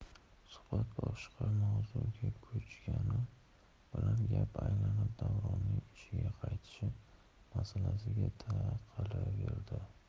suhbat boshqa mavzuga ko'chgani bilan gap aylanib davronning ishga qaytishi masalasiga taqalaverdi